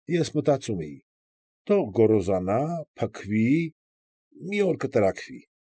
Ես մտածում էի՝ թող գոռոզանա, փքվի, մի օր կտրաքվի։